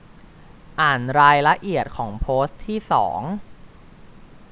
อ่านรายละเอียดของโพสต์ที่สอง